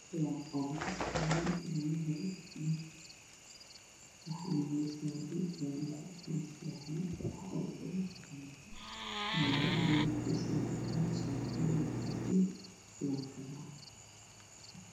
Waa car waxaa iiga muuqda dhar niman oo ka kooban fanaanado shaatiyo surwaal oo midiyadooda yihiin cadaan